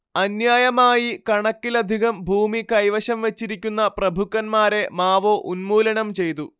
അന്യായമായി കണക്കിലധികം ഭൂമി കൈവശം വെച്ചിരിക്കുന്ന പ്രഭുക്കന്മാരെ മാവോ ഉന്മൂലനം ചെയ്തു